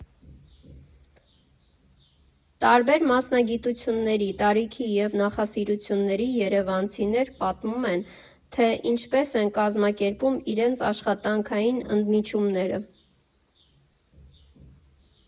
Տարբեր մասնագիտությունների, տարիքի և նախասիրությունների երևանցիներ պատմում են, թե ինչպես են կազմակերպում իրենց աշխատանքային ընդմիջումները։